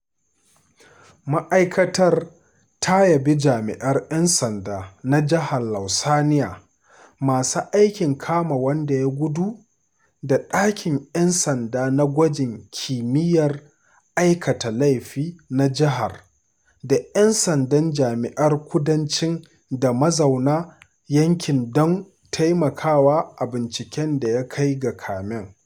Ma’aikatar ta yabi jami’an ‘yan sanda na Jihar Louisiana masu aikin kama wanda ya gudu, da ɗakin ‘yan sanda na gwajin kimiyyar aikata lafi na jihar, da ‘yan sandan Jami’ar Kudanci da mazauna yanki don taimakawa a binciken da ya kai ga kamen.